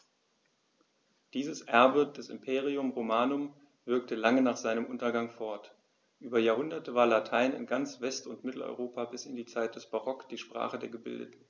Dieses Erbe des Imperium Romanum wirkte lange nach seinem Untergang fort: Über Jahrhunderte war Latein in ganz West- und Mitteleuropa bis in die Zeit des Barock die Sprache der Gebildeten.